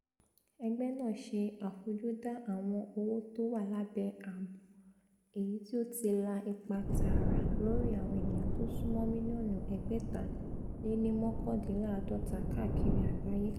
Ẹgbẹ́ náà ṣe àfojúdá àwọn owó tówà lábẹ́ ààbò èyití ó ti la ipa tààrà lórí àwọn ènìyàn tó súnmọ́ mílíọ̀nù ẹgbẹ̀ta-léní-mọ́kàndínláàádọ́ta káàkiri àgbáyé.